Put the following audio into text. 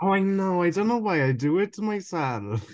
Oh I know I don't know why I do it myself.